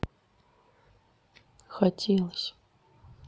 хотелось